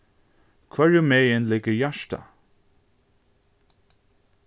hvørjumegin liggur hjartað